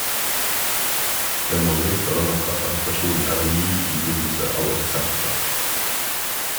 Men mange føler nok at arrestasjonen er en ny ydmykelse av oss serbere.